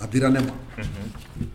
A dira ne ma